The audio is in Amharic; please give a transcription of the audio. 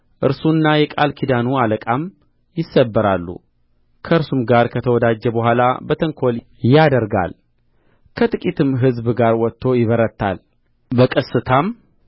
እርሱና የቃል ኪዳኑ አለቃ ይሰበራሉ ከእርሱም ጋር ከተወዳጀ በኋላ በተንኰል ያደርጋል ከጥቂትም ሕዝብ ጋር ወጥቶ ይበረታል በቀስታ